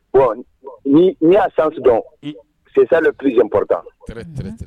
Bon ni n'i y'a sens dɔn c'est ça le plus important, très très